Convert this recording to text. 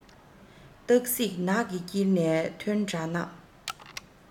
སྟག གཟིག ནགས ཀྱི དཀྱིལ ནས ཐོན འདྲ རྣམས